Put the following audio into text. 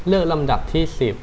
เลือกลำดับที่สิบ